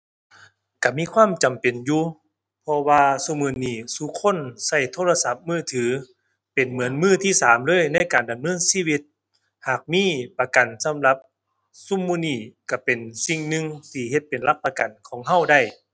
ก็มีความจำเป็นอยู่เพราะว่าซุมื้อนี้ซุคนก็โทรศัพท์มือถือเป็นเหมือนมือที่สามเลยในการดำเนินชีวิต หากมีประกันสำหรับซุมหมู่นี้ก็เป็นสิ่งหนึ่งที่เฮ็ดเป็นหลักประกันของก็ได้